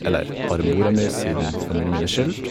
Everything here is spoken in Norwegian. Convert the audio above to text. Eller bare mora mi siden familien min er skilt.